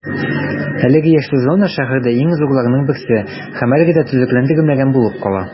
Әлеге яшел зона шәһәрдә иң зурларының берсе һәм әлегә дә төзекләндерелмәгән булып кала.